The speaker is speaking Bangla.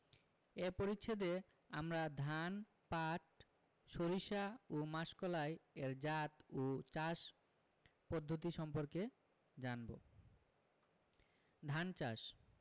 এ পরিচ্ছেদে আমরা ধান পাট সরিষা ও মাসকলাই এর জাত ও চাষ পদ্ধতি সম্পর্কে জানব ধান চাষ